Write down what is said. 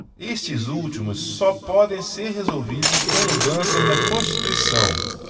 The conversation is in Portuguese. estes últimos só podem ser resolvidos com mudanças na constituição